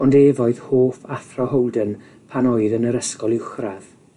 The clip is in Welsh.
Ond ef oedd hoff athro Holden pan oedd yn yr ysgol uwchradd.